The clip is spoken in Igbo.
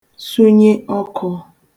sunye ọkụ̄